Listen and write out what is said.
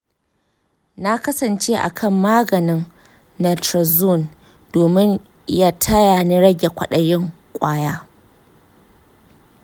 na kasance a kan maganin naltrexone domin ya taya ni rage kwaɗayin ƙwaya.